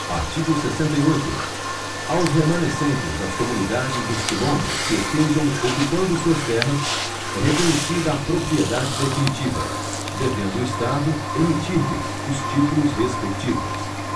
artigo sessenta e oito aos remanescentes das comunidades dos quilombos que estejam ocupando suas terras é reconhecida a propriedade definitiva devendo o estado emitir lhes os títulos respectivos